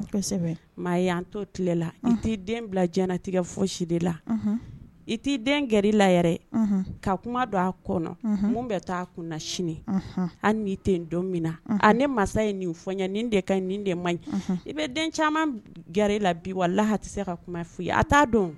Maa an to tilela i t'i den bila jtigɛ fo si de la i t'i den gɛrɛ i la yɛrɛ ka kuma don a kɔnɔ mun bɛ taa a kun sini an ni te don min na ani ni masa ye nin fɔ ni de ka nin den ma ɲi i bɛ den caman g i la bi wa lahatise ka kuma f a t'a dɔn